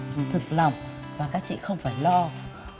thực lòng và các chị không phải lo